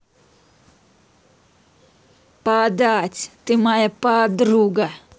подать ты моя подруга